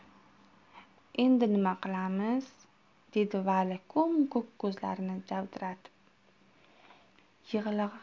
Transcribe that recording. endi nima qilamiz dedi vali ko'm ko'k ko'zlarini jovdiratib